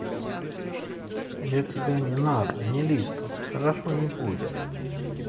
я тебя не надо не listen хорошо не будет